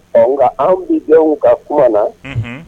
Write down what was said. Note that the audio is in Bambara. Ɔ nka anw bi denw ka kuma na